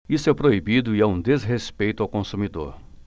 isso é proibido e é um desrespeito ao consumidor